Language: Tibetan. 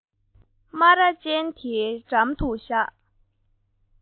སྨ ར ཅན དེའི འགྲམ དུ བཞག